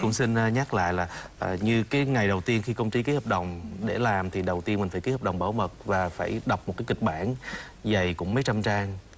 cũng xin nhắc lại là như cái ngày đầu tiên khi công ty ký hợp đồng để làm thì đầu tiên mình phải ký hợp đồng bảo mật và phải đọc một cái kịch bản dày cũng mấy trăm trang